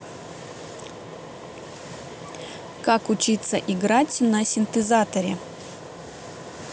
как учиться играть на синтезаторе